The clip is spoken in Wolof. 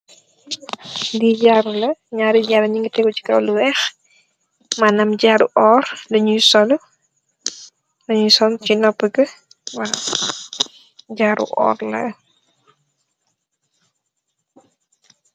Lii jaaru la, jaaru yi ñu ngi tegu si kow lu weex. Maanam oor, bu ñuy sol si noopu yi, waaw. Jaaru oor la.